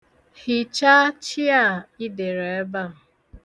Hichaa 'ch' a ị dere ebe a.